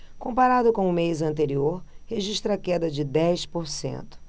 comparado com o mês anterior registra queda de dez por cento